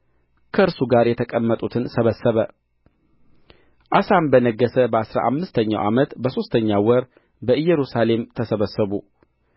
ከእነርሱ ጋር የተቀመጡትን ሰበሰበ አሳም በነገሠ በአሥራ አምስተኛው ዓመት በሦስተኛው ወር በኢየሩሳሌም ተሰበሰቡ